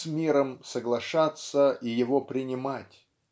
с миром соглашаться и его принимать.